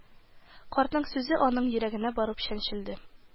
Картның сүзе аның йөрәгенә барып чәнчелде